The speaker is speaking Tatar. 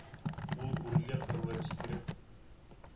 Ул үрле-кырлы сикереп,